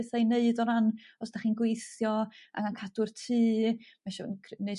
betha i neud o ran os dach chi'n gweithio yy yn cadw'r tŷ m'isio cr- neu'